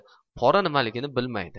pora nimaligini bilmaydi